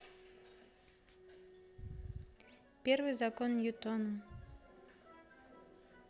первый закон ньютона